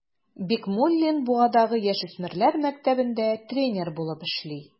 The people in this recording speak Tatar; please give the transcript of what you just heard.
Бикмуллин Буадагы яшүсмерләр мәктәбендә тренер булып эшли.